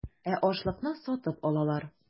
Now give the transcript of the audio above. Ә ашлыкны сатып алалар.